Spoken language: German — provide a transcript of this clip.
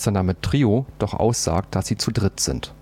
Name „ Trio “doch aussagt, dass sie zu dritt sind